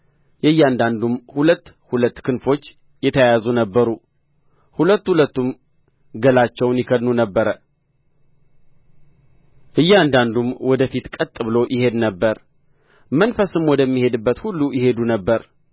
የእያንዳንዱም ሁለት ሁለት ክንፋቸው የተያያዙ ነበሩ ሁለት ሁለቱም ገላቸውን ይከድኑ ነበር እያንዳንዱም ወደ ፊት ቀጥ ብሎ ይሄድ ነበር መንፈስም ወደሚሄድበት ሁሉ ይሄዱ ነበር